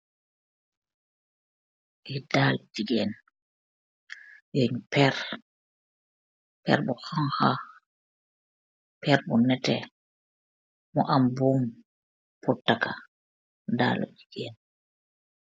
Li daalu jigéen yoñ peer per bu xanha per bu nete mu am boom purtaka daalu jigéen